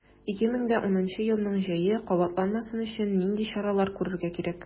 2010 елның җәе кабатланмасын өчен нинди чаралар күрергә кирәк?